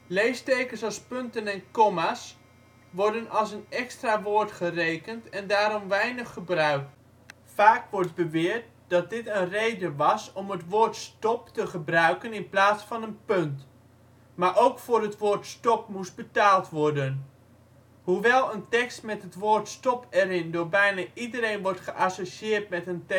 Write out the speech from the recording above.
Leestekens als punten en komma’ s worden als een extra woord gerekend en daarom weinig gebruikt. Vaak wordt beweerd dat dat dit een reden was om het woord STOP te gebruiken in plaats van een punt. Maar ook voor het woord STOP moest betaald worden. Hoewel een tekst met het woord STOP erin door bijna iedereen wordt geassocieerd met een telegramtekst